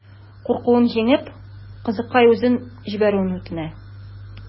Куркуын җиңеп, кызыкай үзен җибәрүен үтенә.